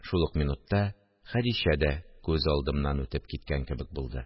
Шул ук минутта Хәдичә дә күз алдымнан үтеп киткән кебек булды